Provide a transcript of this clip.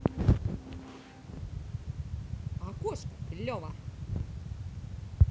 окошко клево